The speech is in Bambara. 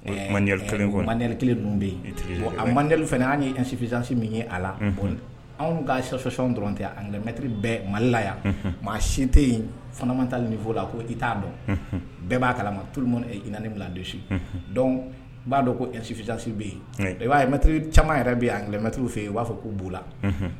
Man manri kelen dun bɛ yen a manli fana an ye ɛsufizsi min ye a la anw kasɔsiɔn dɔrɔn tɛ anmɛtiriri bɛɛ malilaya maa sin tɛ yen fana ma taa ni fɔ la ko i t'a dɔn bɛɛ b'a kala ma tu iinaani biladosu dɔn b'a dɔn kosufisi bɛ yen i b'a caman yɛrɛ bɛlɛmɛtiri fɛ yen u b'a fɔ k' b'ula